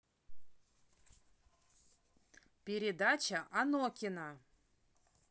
передача анокина